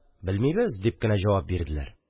– белмибез! – дип кенә җавап бирделәр.